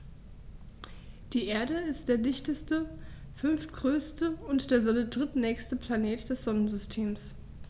Die Erde ist der dichteste, fünftgrößte und der Sonne drittnächste Planet des Sonnensystems.